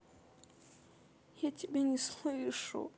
я тебя не слышу